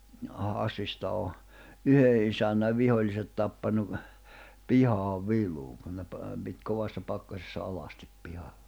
Hassista on yhden isännän viholliset tappanut pihaan viluun kun ne - piti kovassa pakkasessa alasti pihalla